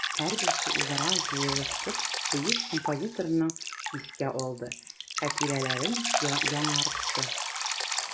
Һәрберсе үзара җыелышып бөек композиторны искә алды, хатирәләрен яңартты.